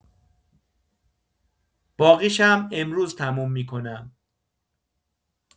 باقیشم امروز تموم می‌کنم.